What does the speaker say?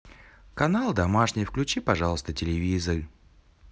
канал домашний включи пожалуйста телевизор